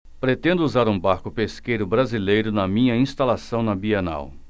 pretendo usar um barco pesqueiro brasileiro na minha instalação na bienal